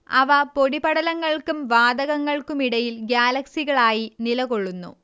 അവ പൊടിപടലങ്ങൾക്കും വാതകങ്ങൾക്കുമിടയിൽ ഗ്യാലക്സികളായി നിലകൊള്ളുന്നു